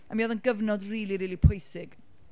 A mi oedd o'n gyfnod rili, rili pwysig.